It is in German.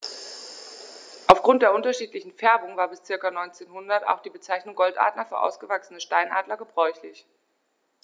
Auf Grund der unterschiedlichen Färbung war bis ca. 1900 auch die Bezeichnung Goldadler für ausgewachsene Steinadler gebräuchlich.